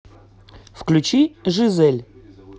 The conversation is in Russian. включи жизель